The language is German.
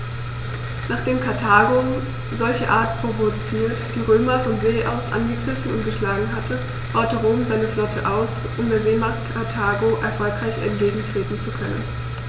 Nachdem Karthago, solcherart provoziert, die Römer von See aus angegriffen und geschlagen hatte, baute Rom seine Flotte aus, um der Seemacht Karthago erfolgreich entgegentreten zu können.